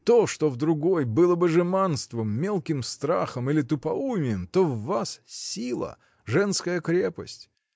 То, что в другой было бы жеманством, мелким страхом или тупоумием, то в вас — сила, женская крепость.